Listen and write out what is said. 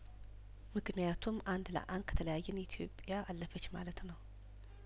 ምክንያቱም አንድ ለአንድ ከተለያየን ኢትዮጵያ አለፈች ማለት ነው